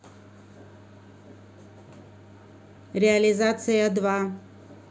реализация два